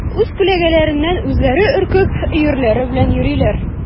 Үз күләгәләреннән үзләре өркеп, өерләре белән йөриләр.